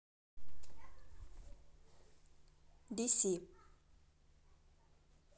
dc